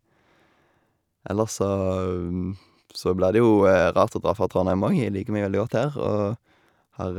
Ellers så så blir det jo rart å dra fra Trondheim òg, jeg liker meg veldig godt her, og har...